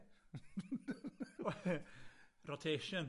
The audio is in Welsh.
Rotation?